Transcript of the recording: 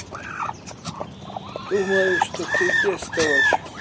думаю что ты бестолочь